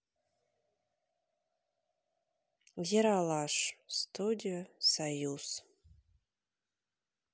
ералаш студия союз